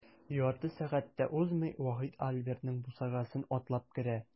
Ярты сәгать тә узмый, Вахит Альбертның бусагасын атлап керә.